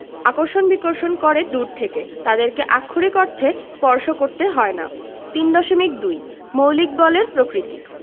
আকর্ষণ বিকর্ষণ করে দূর থেকে তাদেরকে আক্ষরিক অর্থে স্পর্শ করতে হয় না 3.2 মৌলিক বলের প্রকৃতিঃ